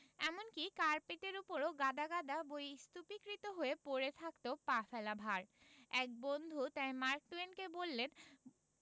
এমনকি কার্পেটের উপরও গাদা গাদা বই স্তূপীকৃত হয়ে পড়ে থাকত পা ফেলা ভার এক বন্ধু তাই মার্ক টুয়েনকে বললেন